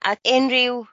a unryw